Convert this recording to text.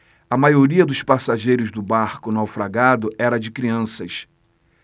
a maioria dos passageiros do barco naufragado era de crianças